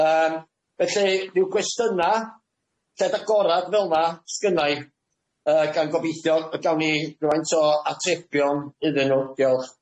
Yym felly ryw gwestynna' lled agorad felna sgynnai yy gan gobeithio yy gawn ni rwfaint o atebion iddyn nw diolch.